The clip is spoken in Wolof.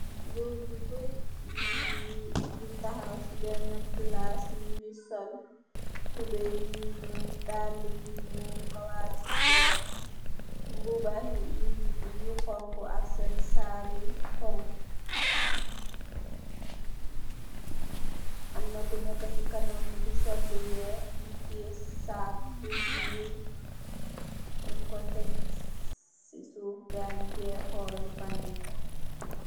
Gorre yu bari njuu ngy, njungy takhaw cii benah pplass, njungy sol tubeiyy yu njull, daalue yu njull, kawass yu wekh, mbuba yu yu honhu ak sen sac yii honhu, amna ku neka cii kanam mungy sol lu wekh, mungy tiyeh sac bu njull munkoh tek cii suff gai njungeh hol lufa neka.